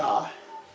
waaw